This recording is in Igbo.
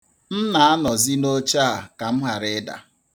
M na-anọzi n'ọche a ka m hara ịda.